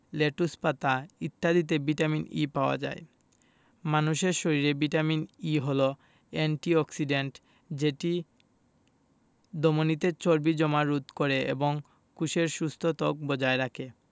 lettuce পাতা ইত্যাদিতে vitamin E পাওয়া যায় মানুষের শরীরে ভিটামিন E হলো এন্টি অক্সিডেন্ট যেটি ধমনিতে চর্বি জমা রোধ করে এবং কোষের সুস্থ ত্বক বজায় রাখে